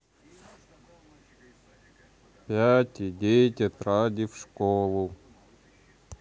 пять идей тетради в школу